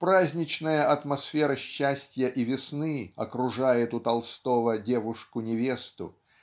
Праздничная атмосфера счастья и весны окружает у Толстого девушку-невесту